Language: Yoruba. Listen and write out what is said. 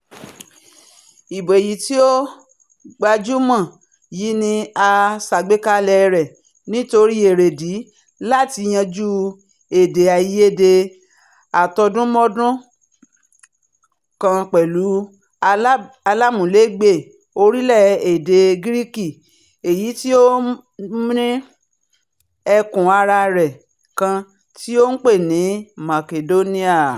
Ìbò èyítí ó gbajumọ yíì ni a ṣagbekalẹ rẹ nitori èrèdí láti yanjú èdè-àìyedè atọdunmọdun kan pẹlu aláàmúlégbè orílẹ̀-èdè Gíríkì, èyití ó ni ẹkùn ara rẹ kan tí a ńpè ní Masidóníà.